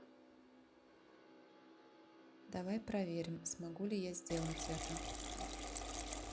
давай проверим смогу ли я сделать это